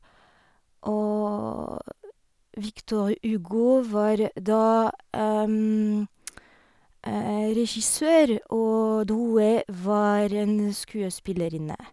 Og Victor Hugo var da regissør, og Drouet var en skuespillerinne.